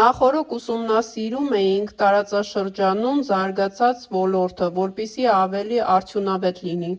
նախօրոք ուսումնասիրում էինք տարածաշրջանում զարգացած ոլորտը, որպեսզի ավելի արդյունավետ լինի։